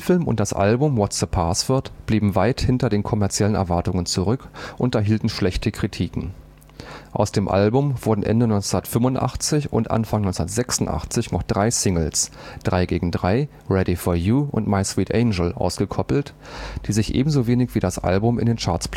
und das Album „ Whats The Password “blieben weit hinter den kommerziellen Erwartungen zurück und erhielten schlechte Kritiken. Aus dem Album wurden Ende 1985 und Anfang 1986 noch drei Singles („ Drei gegen Drei “,„ Ready For You “und „ My Sweet Angel “) ausgekoppelt, die sich ebenso wenig wie das Album in den Charts platzierten